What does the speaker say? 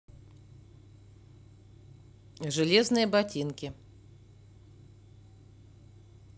железные ботинки